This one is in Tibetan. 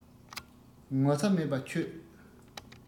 ངོ ཚ མེད པ ཁྱོད